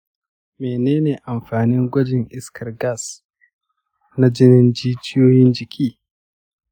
mene ne amfanin gwajin iskar gas na jinin jijiyoyin jiki?